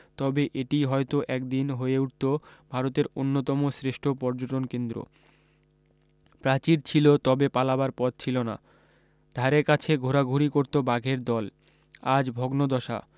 তবে এটিই হয়তো একদিন হয়ে উঠত ভারতের অন্যতম শ্রেষ্ঠ পর্যটন কেন্দ্র প্রাচীর ছিল তবে পালাবার পথ ছিল না ধারে কাছে ঘোরাঘুরি করত বাঘের দল আজ ভগ্নদশা